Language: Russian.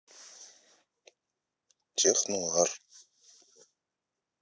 тех нуар